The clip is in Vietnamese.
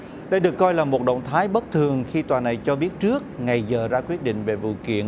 đây được coi là một động thái bất thường khi tòa này cho biết trước ngày giờ ra quyết định về vụ kiện